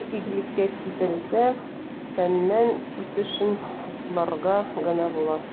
Әгәр игелеккә китерсә, фәннең үсешен хупларга гына була.